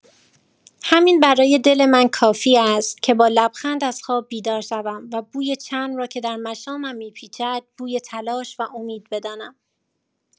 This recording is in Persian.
همین برای دل من کافی است که با لبخند از خواب بیدار شوم و بوی چرم را که در مشامم می‌پیچد بوی تلاش و امید بدانم.